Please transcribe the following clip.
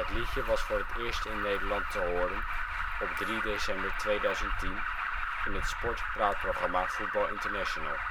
liedje was voor het eerst in Nederland te horen op 3 december 2010 in het sport-praatprogramma Voetbal International